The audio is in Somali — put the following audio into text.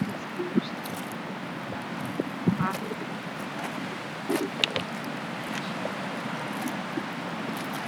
miis ayuu usaarantahay oo cadaan caagag ayaa agyaalo darbiga gadaashisa waa cadays